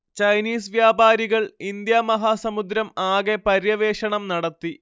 Chinese വ്യാപാരികൾ ഇന്ത്യാമഹാസമുദ്രം ആകെ പര്യവേഷണം നടത്തി